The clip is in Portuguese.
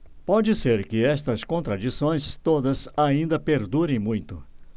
pode ser que estas contradições todas ainda perdurem muito